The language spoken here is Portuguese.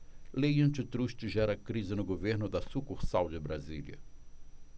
lei antitruste gera crise no governo da sucursal de brasília